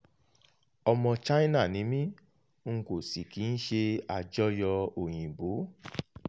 2. Ọmọ China ni mí n kò sì kí ń ṣe àjọyọ̀ Òyìnbó.